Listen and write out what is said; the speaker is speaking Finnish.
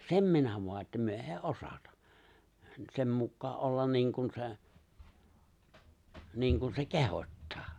sen minä vain että me ei osata sen mukaan olla niin kuin se niin kuin se kehottaa